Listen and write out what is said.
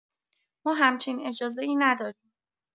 ما همچین اجازه‌ای نداریم